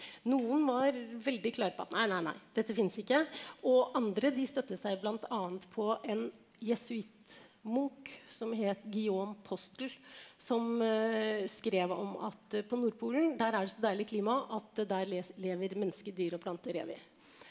noen var veldig klar på at nei nei nei dette fins ikke og andre de støttet seg bl.a. på en jesuittmunk som het som skrev om at på Nordpolen der er det så deilig klima at der lever mennesker, dyr og planter evig.